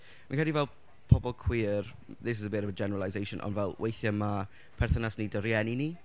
fi'n credu fel pobl cwiar, this is a bit of a generalisation, ond fel, weithiau ma' perthynas ni 'da rhieni ni...